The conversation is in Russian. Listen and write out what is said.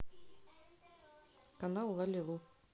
канал лалилу